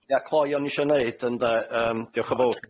Ia, cloi o'n i isio neud ynde, yym diolch yn fowr.